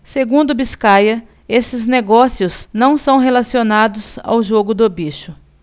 segundo biscaia esses negócios não são relacionados ao jogo do bicho